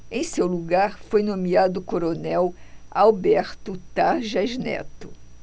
em seu lugar foi nomeado o coronel alberto tarjas neto